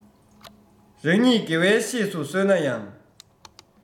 རང ཉིད དགེ བའི བཤེས སུ གསོལ ན ཡང